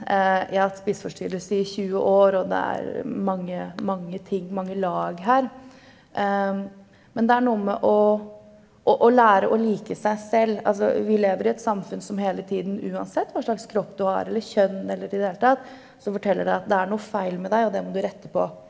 jeg har hatt spiseforstyrrelse i 20 år og det er mange mange ting, mange lag her, men det er noe med å å lære å like seg selv, altså vi lever i et samfunn som hele tiden uansett hva slags kropp du har eller kjønn eller i det hele tatt som forteller deg at det er noe feil med deg og det må du rette på.